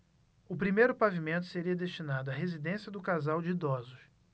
o primeiro pavimento seria destinado à residência do casal de idosos